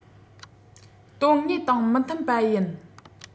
དོན དངོས དང མི མཐུན པ ཡིན